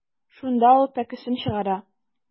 Шунда ул пәкесен чыгара.